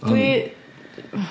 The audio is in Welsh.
Dwi ...